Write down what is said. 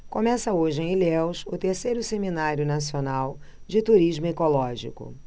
começa hoje em ilhéus o terceiro seminário nacional de turismo ecológico